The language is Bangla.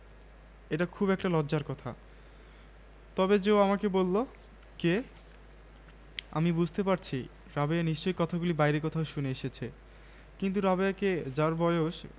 এটা খুব একটা লজ্জার কথা তবে যে ও আমাকে বললো কে আমি বুঝতে পারছি রাবেয়া নিশ্চয়ই কথাগুলি বাইরে কোথাও শুনে এসেছে কিন্তু রাবেয়াকে যার বয়স